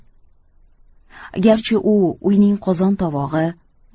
garchi u uyning qozon tovog'i